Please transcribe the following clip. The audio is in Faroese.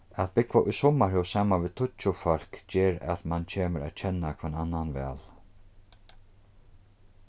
at búgva í summarhús saman tíggju fólk ger at mann kemur at kenna hvønn annan væl